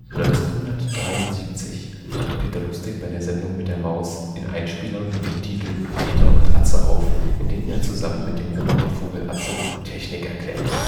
1973 trat Peter Lustig bei der Sendung mit der Maus in Einspielern mit dem Titel Peter und Atze auf, in denen er zusammen mit dem Robotervogel Atze Technik erklärte